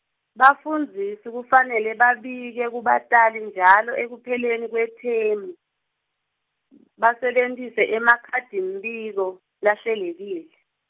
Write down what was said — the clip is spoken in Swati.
bafundzisi kufanele babike kubatali njalo ekupheleni kwethemu, basebentise emakhadimbiko, lahlelekile.